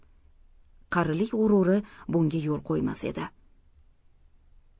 qarilik g'ururi bunga yo'l qo'ymas edi